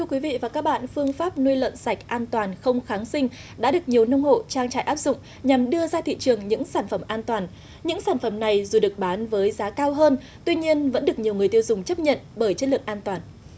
thưa quý vị và các bạn phương pháp nuôi lợn sạch an toàn không kháng sinh đã được nhiều nông hộ trang trại áp dụng nhằm đưa ra thị trường những sản phẩm an toàn những sản phẩm này rồi được bán với giá cao hơn tuy nhiên vẫn được nhiều người tiêu dùng chấp nhận bởi chất lượng an toàn